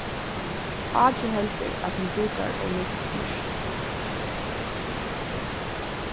áki heldur at hon brúkar ov nógv smyrsl